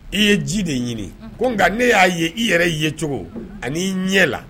I ye ji de ɲini ko nka ne y'a ye i yɛrɛ yecogo ani'i ɲɛ la